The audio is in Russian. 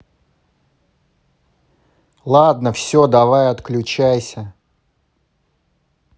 ладно все давай отключайся